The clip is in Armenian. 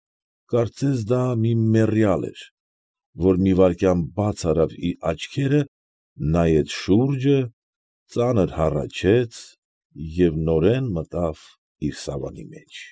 Կարծես դա մի մեռյալ էր, որ մի վայրկյան բաց արավ իր աչքերը, նայեց շուրջը, ծանր հառաչեց և նորեն մտավ իր սավանի մեջ։